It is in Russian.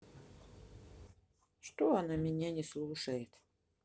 что она меня не слушает